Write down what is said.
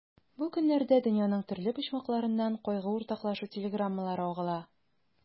Бу көннәрдә дөньяның төрле почмакларыннан кайгы уртаклашу телеграммалары агыла.